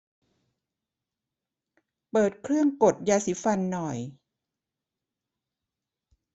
เปิดเครื่องกดยาสีฟันหน่อย